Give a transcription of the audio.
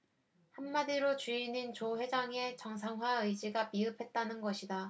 한마디로 주인인 조 회장의 정상화 의지가 미흡했다는 것이다